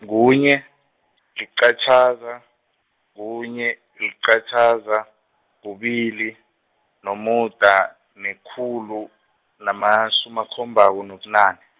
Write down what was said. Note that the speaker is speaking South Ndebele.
kunye, liqatjhaza, kunye, liqatjhaza, kubili, nomuda, nekhulu, namasumi akhombako nobunane.